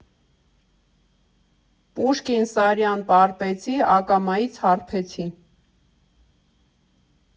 Պուշկին֊Սարյան֊Փարպեցի՝ ակամայից հարբեցի։